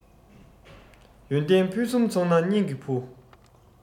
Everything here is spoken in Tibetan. ཡོན ཏན ཕུན སུམ ཚོགས ན སྙིང གི བུ